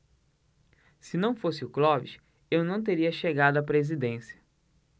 se não fosse o clóvis eu não teria chegado à presidência